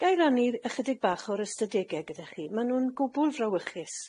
Ga i rannu'r ychydig bach o'r ystadege gyda chi? Ma' nw'n gwbwl frawychus.